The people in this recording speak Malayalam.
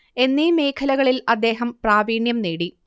എന്നീ മേഖലകളിൽ അദ്ദേഹം പ്രാവീണ്യം നേടി